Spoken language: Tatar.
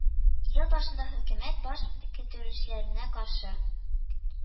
Ел башында хөкүмәт баш күтәрүчеләргә каршы